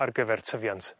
ar gyfer tyfiant